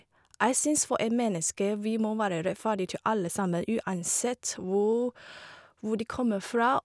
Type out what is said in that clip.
Jeg syns for en menneske vi må være rettferdig til alle sammen uansett hvor hvor de kommer fra.